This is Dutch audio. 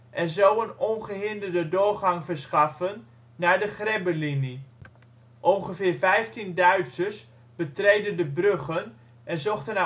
en zo een ongehinderde doorgang verschaffen naar de Grebbelinie. Ongeveer 15 Duitsers betreden de bruggen en zochten